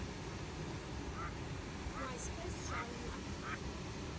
Ու այսպես շարունակ։